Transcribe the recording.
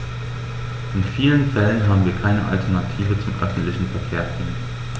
In vielen Fällen haben wir keine Alternative zum öffentlichen Verkehrsdienst.